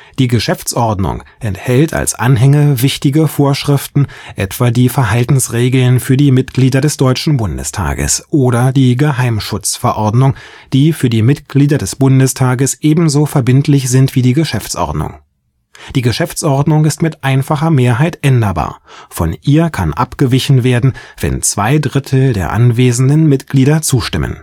Die Geschäftsordnung enthält als Anhänge wichtige Vorschriften, etwa die „ Verhaltensregeln für die Mitglieder des Deutschen Bundestages “oder die „ Geheimschutzordnung “, die für die Mitglieder des Bundestages ebenso verbindlich sind wie die Geschäftsordnung. Die Geschäftsordnung ist mit einfacher Mehrheit änderbar, von ihr kann abgewichen werden, wenn zwei Drittel der anwesenden Mitglieder zustimmen